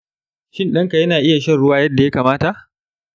shin ɗanka yana iya shan ruwa yadda ya kamata?